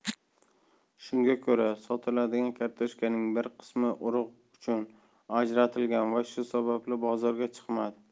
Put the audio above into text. shunga ko'ra sotiladigan kartoshkaning bir qismi urug' uchun ajratilgan va shu sababli bozorga chiqmadi